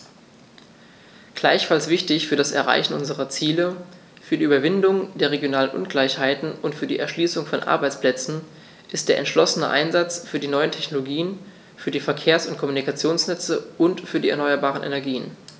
Gleichfalls wichtig für das Erreichen unserer Ziele, für die Überwindung der regionalen Ungleichheiten und für die Erschließung von Arbeitsplätzen ist der entschlossene Einsatz für die neuen Technologien, für die Verkehrs- und Kommunikationsnetze und für die erneuerbaren Energien.